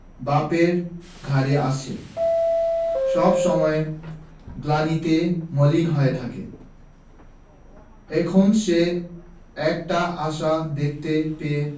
বাপের ঘাড়ে আছে সব সময় গ্লানিতে মলিন হয়ে থাকে এখন সে একটা আশা দেখতে পেয়ে